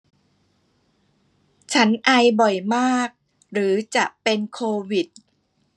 ฉันไอบ่อยมากหรือจะเป็นโควิด